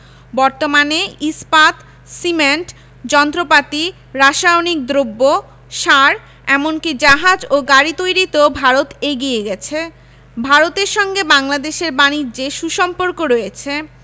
বর্তমানে ইস্পাত সিমেন্ট যন্ত্রপাতি রাসায়নিক দ্রব্য সার এমন কি জাহাজ ও গাড়ি তৈরিতেও ভারত এগিয়ে গেছে ভারতের সঙ্গে বাংলাদেশের বানিজ্যে সু সম্পর্ক রয়েছে